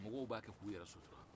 mɔgɔw b'a kɛ k'u yɛrɛ sutura